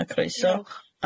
A croeso.